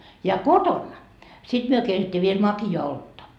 ja kotona sitten me keitettiin vielä makeaa olutta